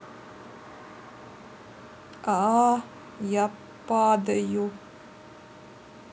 а я падаю